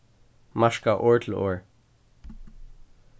marka orð til orð